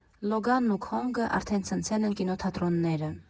«Լոգանն» ու «Քոնգը» արդեն ցնցել են կինոթատրոնները։